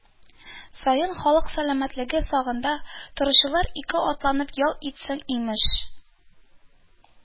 Саен халык сәламәтлеге сагында торучылар ике атналап ял итсен, имеш